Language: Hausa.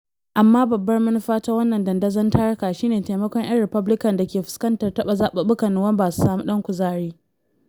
Amma babbar manufa ta wannan dandazon taruka shi ne taimakon ‘yan Republican da ke fuskantar taɓa zaɓuɓɓukan Nuwamba su sami ɗan kuzari.